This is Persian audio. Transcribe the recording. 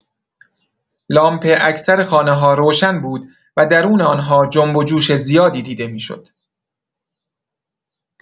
لامپ اکثر خانه‌ها روشن بود و درون آن‌ها جنب‌وجوش زیادی دیده می‌شد.